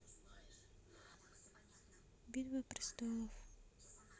битва престолов